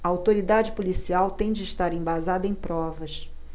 a autoridade policial tem de estar embasada em provas